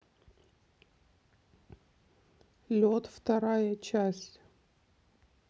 лед вторая часть